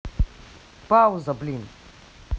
пауза блин